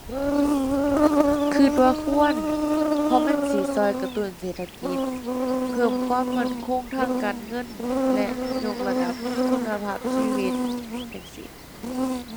คิดว่าควร เพราะมันสิคิดกระตุ้นเศรษฐกิจ เพิ่มความมั่นคงทางการเงินและยกระดับคุณภาพชีวิตจั่งซี้